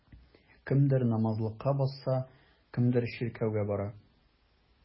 Кемдер намазлыкка басса, кемдер чиркәүгә бара.